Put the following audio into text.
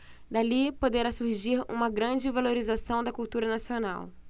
dali poderá surgir uma grande valorização da cultura nacional